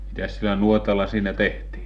mitäs sillä nuotalla siinä tehtiin